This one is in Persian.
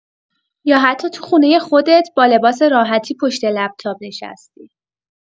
یا حتی تو خونه خودت، با لباس راحتی پشت لپ‌تاپ نشستی.